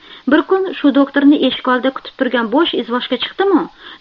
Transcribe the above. bir kun shu doktorni eshik oldida kutib turgan bo'sh izvoshga chiqdim u